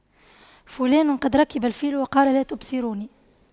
فلان قد ركب الفيل وقال لا تبصروني